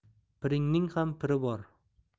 piringning ham piri bor